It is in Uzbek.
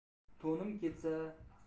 otim ketsa toycham bor